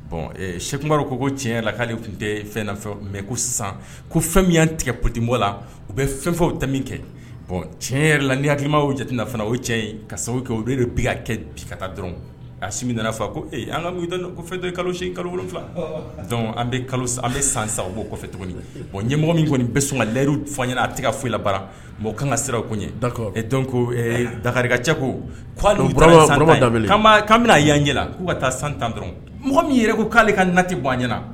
Bon sɛkukaru ko ko tiɲɛ k'ale tun tɛ fɛnfɛ mɛ ko sisan ko fɛn min'an tigɛpdibɔ la u bɛ fɛnfɛw tɛ min kɛ bɔn tiɲɛ yɛrɛ la ni hakilikima jate o cɛ ka sababu kɛ o de bi ka kɛ bi ka taa dɔrɔn a si nana fɔ ko an ka fɛn kalosi kalofilac an bɛ kalo an bɛ san san kɔfɛ tuguni bɔn ɲɛmɔgɔ min kɔni bɛ sɔn ka yi ɲɛna a tɛgɛ foyila bara mɔgɔ' ka sira tun ye dɔn dagakacɛ ko'an bɛna'a'an yɛlɛ k'u ka taa san tan dɔrɔn mɔgɔ min yɛrɛ ko k'ale ka nati bɔ an ɲɛna